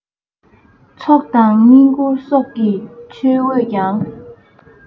ཚོགས དང བསྙེན བཀུར སོགས ཀྱིས མཆོད འོས ཀྱང